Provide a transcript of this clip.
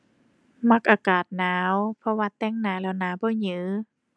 มักอากาศหนาว เพราะว่าแต่งหน้าแล้วหน้าบ่หยือ